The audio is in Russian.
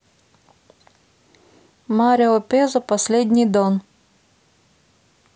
марио пезо последний дон